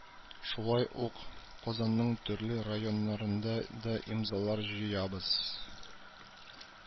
Шулай ук Казанның төрле районнарында да имзалар җыябыз